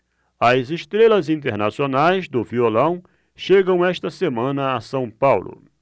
as estrelas internacionais do violão chegam esta semana a são paulo